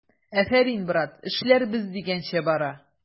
Афәрин, брамат, эшләр без дигәнчә бара!